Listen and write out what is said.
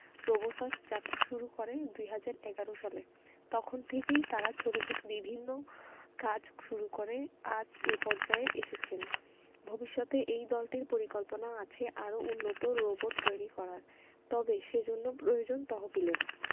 রোবোসাস্ট যাত্রা শুরু করে ২০১১ সালে তখন থেকেই তারা ছোট ছোট বিভিন্ন কাজ শুরু করে আজ এ পর্যায়ে এসেছেন ভবিষ্যতে এই দলটির পরিকল্পনা আছে আরও উন্নত রোবট তৈরি করার তবে সেজন্য প্রয়োজন তহবিলের